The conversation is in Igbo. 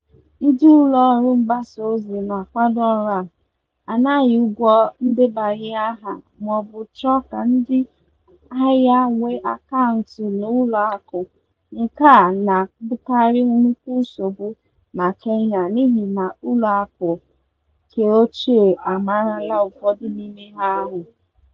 Ndị ụlọọrụ mgbasaozi na-akwado ọrụ a anaghị ụgwọ ndebanye aha maọbụ chọọ ka ndị ahịa nwee akaụntụ n'ụlọ akụ, nke a na-abụkarị nnukwu nsogbu na Kenya n'ihi na ụlọakụ keochie amarala ụfọdụ n'ime ha ahụ.